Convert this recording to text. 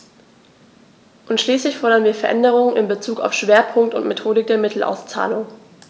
Und schließlich fordern wir Veränderungen in bezug auf Schwerpunkt und Methodik der Mittelauszahlung.